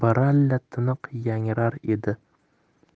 baralla tiniq yangrar edi